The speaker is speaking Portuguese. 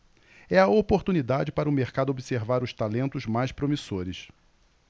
é a oportunidade para o mercado observar os talentos mais promissores